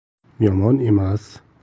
yomon emas